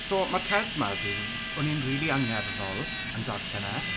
So, ma'r cerdd 'ma fi- o'n i'n rili angerddol yn darllen e.